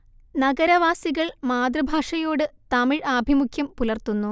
നഗരവാസികൾ മാതൃഭാഷയോട് തമിഴ് ആഭിമുഖ്യം പുലർത്തുന്നു